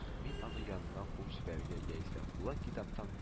Мин аны янымнан куып җибәрергә яисә кулын китаптан